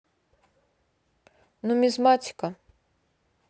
нумизматика